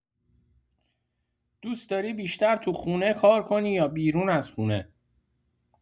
دوست‌داری بیشتر تو خونه کار کنی یا بیرون از خونه؟